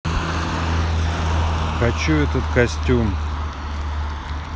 хочу этот костюм